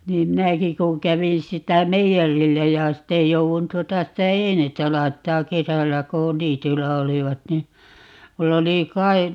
niin minäkin kun kävin sitä meijerillä ja sitten jouduin tuota sitä einettä laittamaan kesällä kun niityillä olivat niin minulla oli -